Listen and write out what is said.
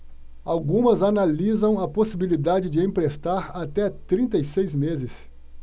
algumas analisam a possibilidade de emprestar até trinta e seis meses